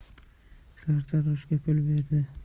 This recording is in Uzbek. sartaroshga pul berdi